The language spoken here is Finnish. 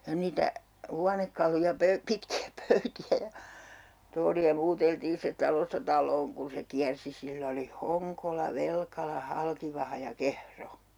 ja niitä huonekaluja - pitkiä pöytiä ja tuoleja muuteltiin sitten talosta taloon kun se kiersi sillä oli Honkola Velkala Halkivaha ja Kehro